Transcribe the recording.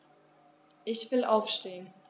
Ich will aufstehen.